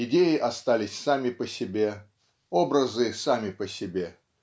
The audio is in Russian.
Идеи остались сами по себе, образы - сами по себе.